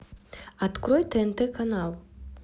открой тнт канал